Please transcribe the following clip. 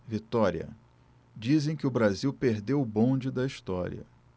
vitória dizem que o brasil perdeu o bonde da história